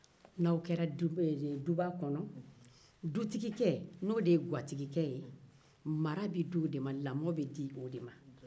n'a kɛra duba kɔnɔ dutigikɛ n'o de ye gatigikɛ ye mara bɛ di o de ma lamɔ bɛ di o de ma